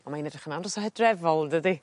On' mae'n edrych yn andros o Hedrefol yndydi?